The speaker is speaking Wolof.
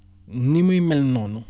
ni muy mel noonu